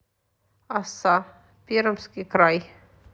оса пермский край